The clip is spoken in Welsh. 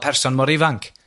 person mor ifanc.